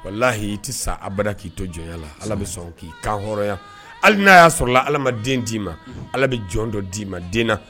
Wala lahi i tɛ sa abara k'i to jɔnya la ala bɛ sɔn k'i kan hɔrɔnya hali n'a y'a sɔrɔ ala den d'i ma ala bɛ jɔn dɔ d'i ma